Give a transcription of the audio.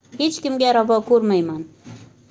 hech kimga ravo ko'rmayman